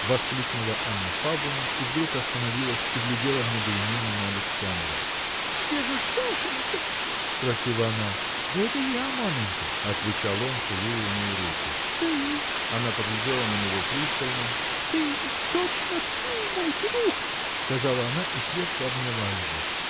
– воскликнула Анна Павловна и вдруг остановилась и глядела в недоумении на Александра. – Где же Сашенька? – спросила она. – Да это я, маменька! – отвечал он, целуя у ней руку. – Ты? Она поглядела на него пристально. – Ты, точно ты, мой друг? – сказала она и крепко обняла его.